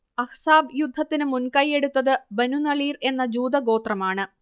അഹ്സാബ് യുദ്ധത്തിന് മുൻകൈയ്യെടുത്തത് ബനുനളീർ എന്ന ജൂതഗോത്രമാണ്